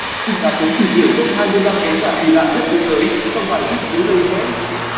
cùng gà trống tìm hiểu top giống gà kỳ lạ nhất thế giới trong bài viết dưới đây nhé